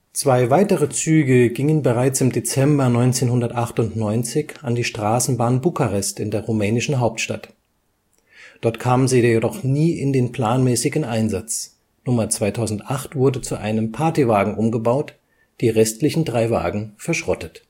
Zwei weitere Züge gingen bereits im Dezember 1998 an die Straßenbahn Bukarest in der rumänischen Hauptstadt. Dort kamen sie jedoch nie in den planmäßigen Einsatz, Nummer 2008 wurde zu einem Partywagen umgebaut, die restlichen drei Wagen verschrottet